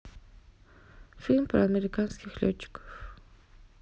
фильм про американских летчиков